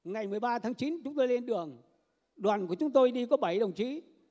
ngày mười ba tháng chín chúng tôi lên đường đoàn của chúng tôi đi có bảy đồng chí